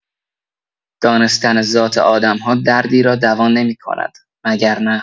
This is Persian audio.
دانستن ذات آدم‌ها دردی را دوا نمی‌کند، مگر نه؟